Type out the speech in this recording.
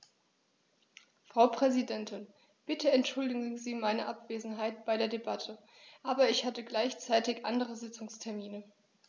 Frau Präsidentin, bitte entschuldigen Sie meine Abwesenheit bei der Debatte, aber ich hatte gleichzeitig andere Sitzungstermine.